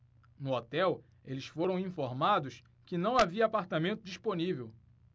no hotel eles foram informados que não havia apartamento disponível